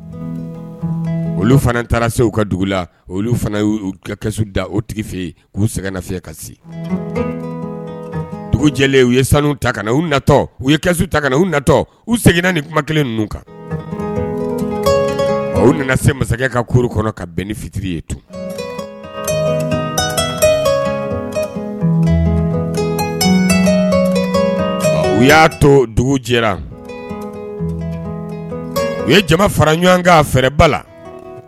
Olu fana taara se u ka dugu la olu fana u da u tigife yen k uu seginna kasi dugu jɛlen u ye sanu ta kana u natɔ u yesu ta kana u natɔ u seginna ni kuma kelen ninnu kan u nana se masakɛ ka kuru kɔnɔ ka bɛn ni fitiri ye tun u y'a to dugu jɛra u ye jama fara ɲɔgɔn fɛrɛba la